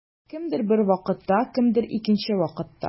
Кемдер бер вакытта, кемдер икенче вакытта.